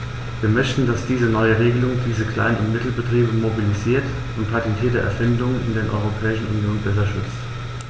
Wir möchten, dass diese neue Regelung diese Klein- und Mittelbetriebe mobilisiert und patentierte Erfindungen in der Europäischen Union besser schützt.